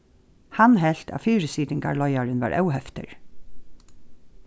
hann helt at fyrisitingarleiðarin var óheftur